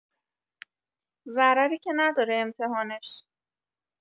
ضرری که نداره امتحانش!